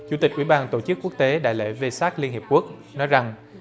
chủ tịch ủy ban tổ chức quốc tế đại lễ vê sác liên hiệp quốc nói rằng